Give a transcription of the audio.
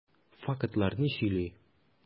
Фактлар ни сөйли?